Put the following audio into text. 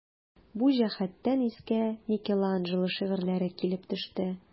Бу җәһәттән искә Микеланджело шигырьләре килеп төште.